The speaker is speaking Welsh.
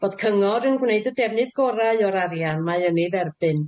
fod cyngor yn gwneud y defnydd gorau o'r arian mae yn ei dderbyn.